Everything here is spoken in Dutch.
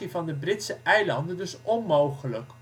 van de Britse Eilanden dus onmogelijk